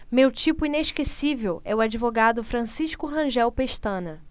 meu tipo inesquecível é o advogado francisco rangel pestana